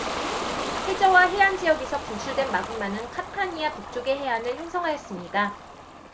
해저와 해안 지역에서 분출된 마그마는 카타니아 북쪽의 해안을 형성하였습니다